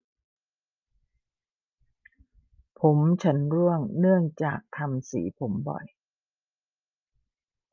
ผมฉันร่วงเนื่องจากทำสีผมบ่อย